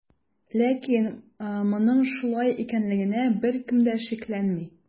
Ләкин моның шулай икәнлегенә беркем дә шикләнми.